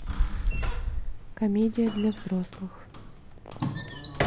комедия для взрослых